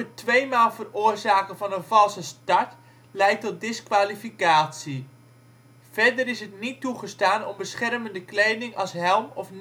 twee maal veroorzaken van een valse start leidt tot diskwalificatie. Verder is het niet toegestaan om beschermende kleding als helm of